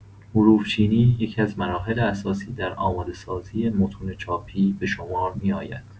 حروف‌چینی یکی‌از مراحل اساسی در آماده‌سازی متون چاپی به‌شمار می‌آید.